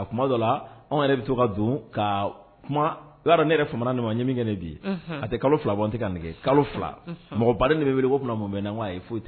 A kuma dɔ la anw yɛrɛ bɛ to ka don ka ne yɛrɛ fa ma yemikɛ bi a tɛ kalo fila bɔ tɛ ka nɛgɛ kalo fila mɔgɔ ba de bɛ wele oo tuma mɔ bɛ na'a ye foyi tɛ